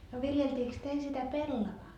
no viljeltiinkös teillä pellavaa